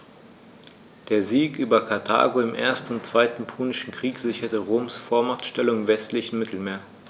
Der Sieg über Karthago im 1. und 2. Punischen Krieg sicherte Roms Vormachtstellung im westlichen Mittelmeer.